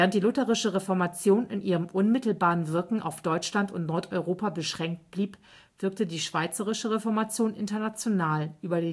die lutherische Reformation in ihrem unmittelbaren Wirken auf Deutschland und Nordeuropa beschränkt blieb, wirkte die schweizerische Reformation international über